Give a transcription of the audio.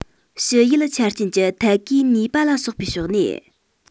ཕྱི ཡུལ ཆ རྐྱེན གྱི ཐད ཀའི ནུས པ ལ སོགས པའི ཕྱོགས ནས